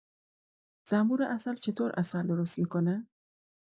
زنبور عسل چطور عسل درست می‌کنه؟